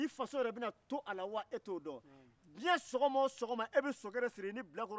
an musomani ɲɛ bin cama bɛ taa u cɛlala sunkalo manasen